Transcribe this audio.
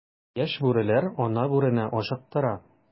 Яшь бүреләр ана бүрене ашыктыра.